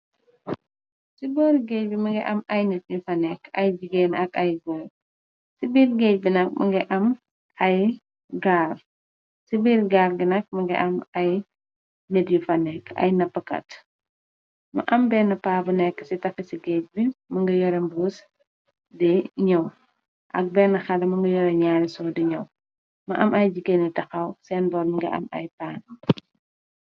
Ci bëor géej bi manga am ay nit yu fanekk ay jigéen ak ay gër ci biir géej bi nag ma nga am ay grav ci biir gaar gi nag ma nga am ay nit yu fanekk ay nappkat ma am benn paabu nekk ci tafi ci géej bi mu nga yorembos di ñëw ak benn xale mu nga yore ñaari soo di ñëw ma am ay jigéeni taxaw seen boor mi nga am ay paan.